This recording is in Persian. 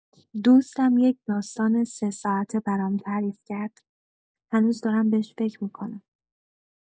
دوستم یه داستان سه‌ساعته برام تعریف کرد، هنوز دارم بهش فکر می‌کنم!